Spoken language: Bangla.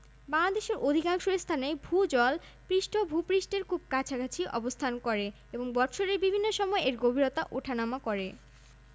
কায়ানাইট কাঁচবালি চীনামাটি ইটের মাটি এবং ধাতব খনিজ পানি সম্পদঃ প্রাকৃতিকভাবেই বাংলাদেশের রয়েছে প্রচুর পরিমাণে ভূ পৃষ্ঠস্থ ও ভূগর্ভস্থ পানি সম্পদ